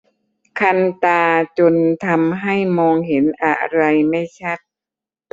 คันตาจนทำให้มองเห็นอะไรไม่ชัด